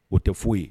O tɛ foyi ye